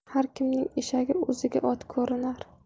har kimning eshagi o'ziga ot ko'rinar